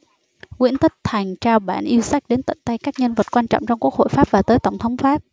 nguyễn tất thành trao bản yêu sách đến tận tay các nhân vật quan trọng trong quốc hội pháp và tới tổng thống pháp